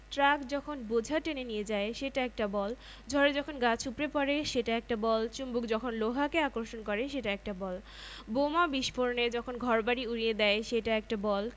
এই মাধ্যাকর্ষণ বল আমাদের পৃথিবীর কেন্দ্রের দিকে অর্থাৎ নিচের দিকে টেনে রেখেছে এবং এর কারণেই আমরা নিজেদের ওজনের অনুভূতি পাই পদার্থবিজ্ঞানের একটি চমকপ্রদ বল হচ্ছে মহাকর্ষ বল